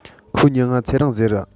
ཁོའི མྱིང ང ཚེ རིང ཟེར ར